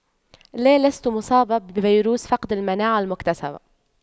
لا لست مصابة بفيروس فقد المناعة المكتسبة